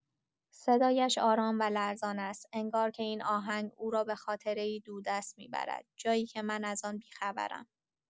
صدایش آرام و لرزان است، انگار که این آهنگ او را به خاطره‌ای دوردست می‌برد، جایی که من از آن بی‌خبرم.